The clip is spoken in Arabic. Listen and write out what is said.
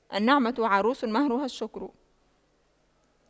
النعمة عروس مهرها الشكر